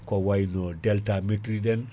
ko wayno DELTA métrique